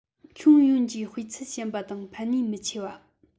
ཁྱོན ཡོངས ཀྱི སྤུས ཚད ཞན པ དང ཕན ནུས མི ཆེ བ